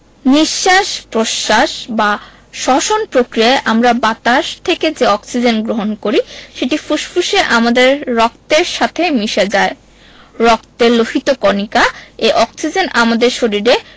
নিঃশ্বাস প্রশ্বাস বা শ্বসন প্রক্রিয়ায় আমরা বাতাস থেকে যে অক্সিজেন গ্রহণ করি সেটি ফুসফুসে আমাদের রক্তের সাথে মিশে যায় রক্তের লোহিত কণিকা এই অক্সিজেন আমাদের শরীরের